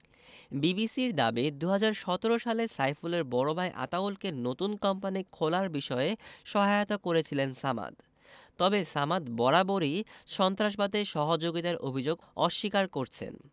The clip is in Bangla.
বিবিসির দাবি ২০১৭ সালে সাইফুলের বড় ভাই আতাউলকে নতুন কোম্পানি খোলার বিষয়ে সহায়তা করেছিলেন সামাদ তবে সামাদ বারবারই সন্ত্রাসবাদে সহযোগিতার অভিযোগ অস্বীকার করছেন